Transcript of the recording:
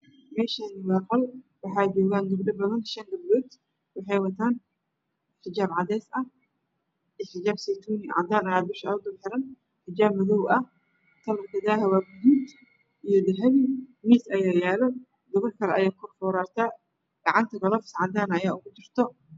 Meshani waaqol waxajoga gabdhobadan shan gabdhod waxay watan xijab cadesah iyo xijaabseytuniah cadan aya dusha ugaduxiran xijabmadow ah kalarka gadud iyo dahabi mis ayya yaalo gabarkala ayaa karforarto gacanta galofis cadan ayaa ugujirta